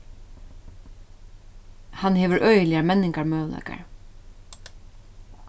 hann hevur øgiligar menningarmøguleikar